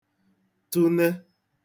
tụne